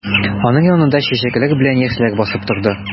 Аның янында чәчәкләр белән яшьләр басып торды.